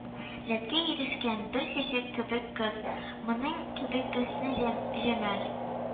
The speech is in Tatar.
Ләткә ирешкән бер чәчәк кебек кыз, моның кебек хөсне җәмал